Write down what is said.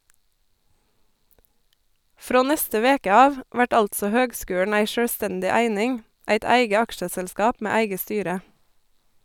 Frå neste veke av vert altså høgskulen ei sjølvstendig eining , eit eige aksjeselskap med eige styre.